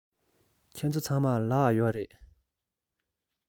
ཁྱེད ཚོ ཚང མར ལུག ཡོད རེད